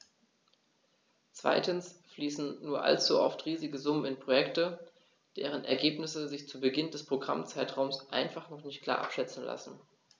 Zweitens fließen nur allzu oft riesige Summen in Projekte, deren Ergebnisse sich zu Beginn des Programmzeitraums einfach noch nicht klar abschätzen lassen.